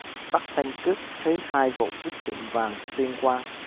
bắt tên cướp thứ hai vụ cướp tiệm vàng tuyên quang